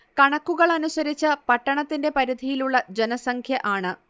കണക്കുകളനുസരിച്ച് പട്ടണത്തിൻറെ പരിധിയിലുള്ള ജനസംഖ്യ ആണ്